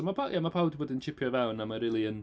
So ma' pa- ie ma' pawb 'di bod yn tsipio fewn, a mae rili yn...